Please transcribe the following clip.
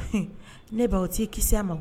Hun, ne ba o t'i kisi a ma o.